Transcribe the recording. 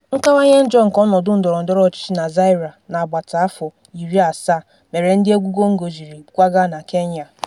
Nkawanye njọ nke ọnọdụ ndọrọ ndọrọ ọchịchị na Zaire n'agbata afọ 70 mere ndị egwu Congo jiri kwagaa na Kenya.